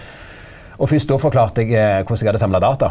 og fyrst då forklarte eg korleis eg hadde samla data.